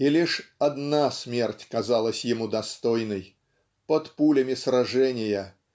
И лишь одна смерть казалась ему достойной под пулями сражения